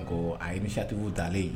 Ko a ye misitigiw dalenlen ye